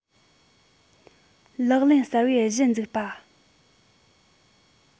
ལག ལེན གསར པའི གཞི འཛུགས པ